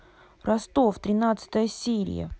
ростов тринадцатая серия